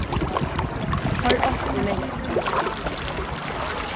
koyr eitt í mentu